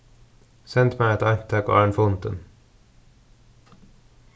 send mær eitt eintak áðrenn fundin